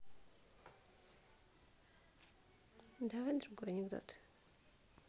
давай другой анекдот